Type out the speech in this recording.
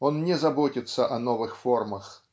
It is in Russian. Он не заботится о новых формах